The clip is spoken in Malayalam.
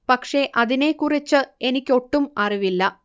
പക്ഷെ അതിനെ കുറിച്ച് എനിക്കൊട്ടും അറിവില്ല